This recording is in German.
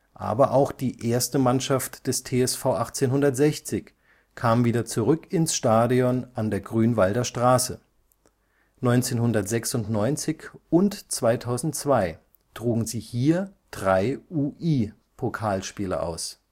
Aber auch die erste Mannschaft des TSV 1860 kam wieder zurück ins Stadion an der Grünwalder Straße, 1996 und 2002 trugen sie hier drei UI-Pokal-Spiele aus